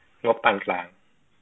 งบปานกลาง